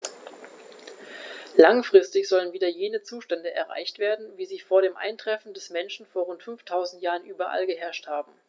Langfristig sollen wieder jene Zustände erreicht werden, wie sie vor dem Eintreffen des Menschen vor rund 5000 Jahren überall geherrscht haben.